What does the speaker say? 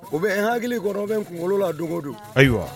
U bɛ n hakiliki kɔrɔ bɛ n kunkolo la don o don ayiwa